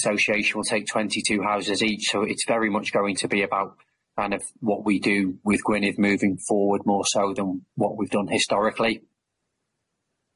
association will take twenty two houses each so it's very much going to be about kind of what we do with Gwynedd moving forward more so than w- what we've done historically.